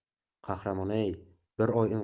qahramoney bir oy